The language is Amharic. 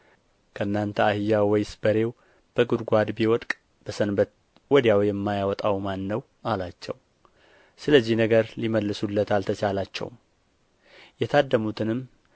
ከእናንተ አህያው ወይስ በሬው በጕድጓድ ቢወድቅ በሰንበት ወዲያው የማያወጣው ማን ነው አላቸው ስለዚህ ነገርም ሊመልሱለት አልተቻላቸውም የታደሙትንም